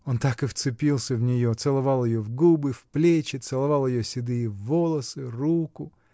Он так и вцепился в нее: целовал ее в губы, в плечи, целовал ее седые волосы, руку.